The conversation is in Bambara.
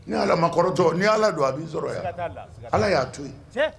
N' ye ala kɔrɔtɔ n'i ala don a bɛi sɔrɔ yan ala y'a to yen